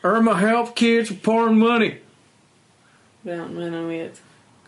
Urma help kids wi porn money. Iaw- ma' wnna'n wierd.